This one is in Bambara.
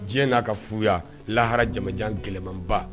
Diɲɛ n'a ka fuya lahara janmanjan kɛlɛmanba